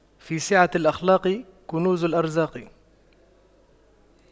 في سعة الأخلاق كنوز الأرزاق